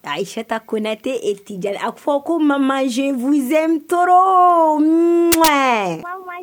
Ta ayiseta koɛ kuyate etija a fɔ ko mama fuzeto min wa